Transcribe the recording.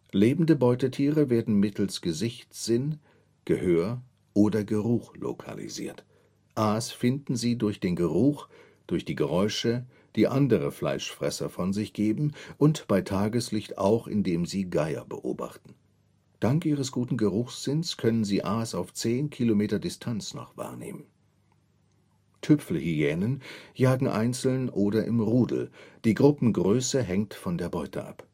Lebende Beutetiere werden mittels Gesichtssinn, Gehör oder Geruch lokalisiert. Aas finden sie durch den Geruch, durch die Geräusche, die andere Fleischfresser von sich geben, und bei Tageslicht auch, indem sie Geier beobachten. Dank ihres guten Geruchssinns können sie Aas auf 10 Kilometer Distanz noch wahrnehmen. Tüpfelhyänen jagen einzeln oder im Rudel, die Gruppengröße hängt von der Beute ab